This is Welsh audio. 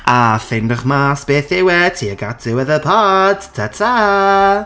A ffeindwch mas beth yw e tuag at diwedd y pod! Ta ta!